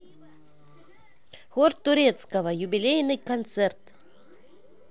хор турецкого юбилейный концерт